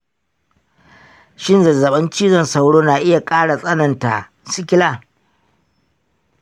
shin zazzabin cizon sauro na iya ƙara tsananta sikila?